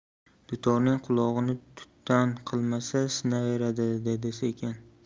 dutorning qulog'ini tutdan qilmasa sinaveradi dedi sekin